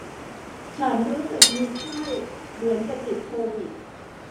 ฉันรู้สึกมีไข้เหมือนจะติดโควิด